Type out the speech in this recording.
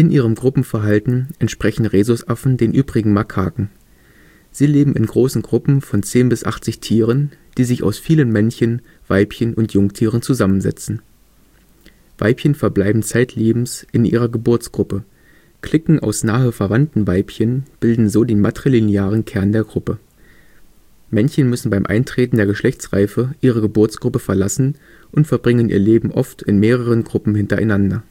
ihrem Gruppenverhalten entsprechen Rhesusaffen den übrigen Makaken. Sie leben in großen Gruppen von 10 bis 80 Tieren, die sich aus vielen Männchen, Weibchen und Jungtieren zusammensetzen. Weibchen verbleiben zeitlebens in ihrer Geburtsgruppe, Cliquen nahe verwandter Weibchen bilden so den matrilinearen Kern der Gruppe. Männchen müssen beim Eintreten der Geschlechtsreife ihre Geburtsgruppe verlassen, und verbringen ihr Leben oft in mehreren Gruppen hintereinander